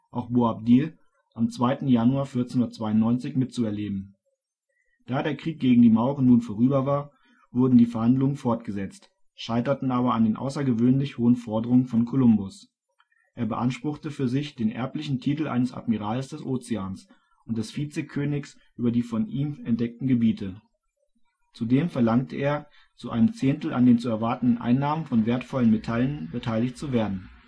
auch Boabdil) am 2. Januar 1492 mitzuerleben. Da der Krieg gegen die Mauren nun vorüber war, wurden die Verhandlungen fortgesetzt, scheiterten aber an den außergewöhnlich hohen Forderungen von Kolumbus: Er beanspruchte für sich den erblichen Titel eines Admirals des Ozeans und des Vizekönigs über die von ihm entdeckten Gebiete. Zudem verlangte er, zu einem Zehntel an den zu erwartenden Einnahmen von wertvollen Metallen beteiligt zu werden